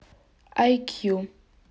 ай кью